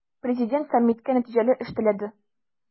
Президент саммитка нәтиҗәле эш теләде.